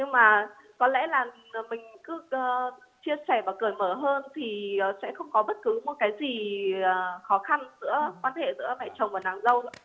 nhưng mà có lẽ là mình cứ ơ chia sẻ và cởi mở hơn thì ờ sẽ không có bất cứ một cái gì ờ khó khăn giữa quan hệ giữa mẹ chồng nàng dâu